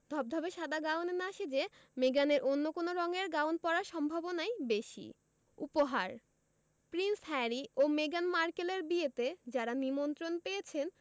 ধবধবে সাদা গাউনে না সেজে মেগানের অন্য কোন রঙের গাউন পরার সম্ভাবনাই বেশি উপহার প্রিন্স হ্যারি ও মেগান মার্কেলের বিয়েতে যাঁরা নিমন্ত্রণ পেয়েছেন